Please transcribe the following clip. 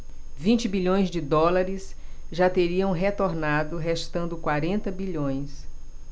vinte bilhões de dólares já teriam retornado restando quarenta bilhões